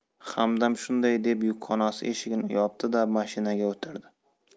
hamdam shunday deb yukxonasi eshigini yopdi da mashinaga o'tirdi